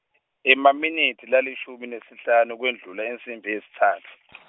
emaminitsi lalishumi nesihlanu kwendlule insimbi yesitsatfu.